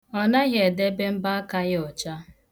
Ọ naghi edebe mbọaka ya ọcha.